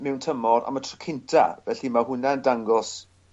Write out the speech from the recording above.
mewn tymor am y tro cynta felly ma' hwnna'n dangos